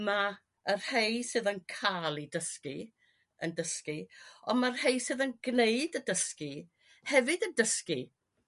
Ma' y rhei sydd yn ca'l 'u dysgu yn dysgu ond ma' rhei sydd yn gneud y dysgu hefyd yn dysgu